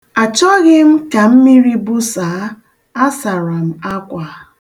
Achọghị m ka mmiri busa, a sara m akwa.